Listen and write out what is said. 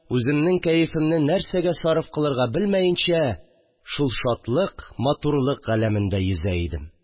Үземнең кәефемне нәрсәгә сарыф кылырга белмәенчә, шул шатлык, матурлык галәмендә йөзә идем